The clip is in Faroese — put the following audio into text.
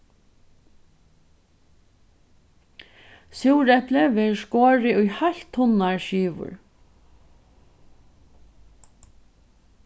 súreplið verður skorið í heilt tunnar skivur